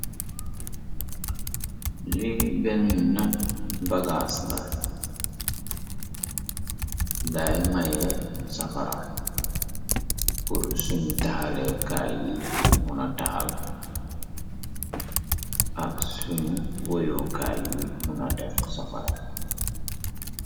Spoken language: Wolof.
li benn na bagaas da day maye safara pur suñ taalekaay yi muna taal ak sum woyookaay yi muna def safara